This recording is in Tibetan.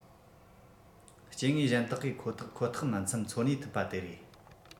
སྐྱེ དངོས གཞན དག གིས ཁོ ཐག ཁོ ཐག མི འཚམ འཚོ གནས ཐུབ པ དེ རེད